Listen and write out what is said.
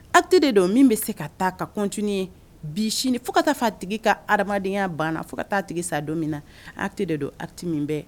Acte de don min bɛ se ka taa ka continuer , bi sini fo ka taa f'a tigi ka adamadeya banna fo ka taa tigi sa don min na acte de don acte min bɛ